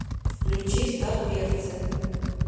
включи старперцы